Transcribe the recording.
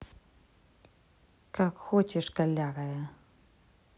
как хочешь калякая